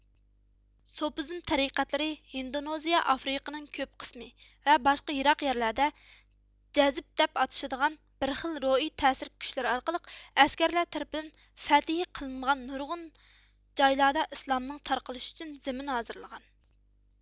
سوپىزم تەرىقەتلىرى ھىندونېزىيە ئافرىقىنىڭ كۆپ قىسمى ۋە باشقا يىراق يەرلەردە جەزب دەپ ئاتىشىدىغان بىر خىل روھىي تەسىر كۈچلىرى ئارقىلىق ئەسكەرلەر تەرىپىدىن فەتھى قىلىنمىغان نۇرغۇن جايلاردا ئىسلامنىڭ تارقىلىشى ئۈچۈن زېمىن ھازىرلىغان